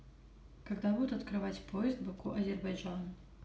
когда будут открывать поезд баку азербайджан